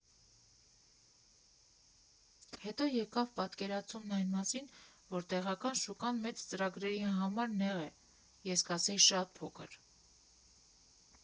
Հետո եկավ պատկերացումն այն մասին, որ տեղական շուկան շատ ծրագրերի համար նեղ է, ես կասեի, շատ փոքր։